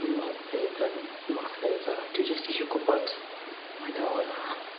ma'r byd yn massive a dwi jyst isio gwbod mae dal yna.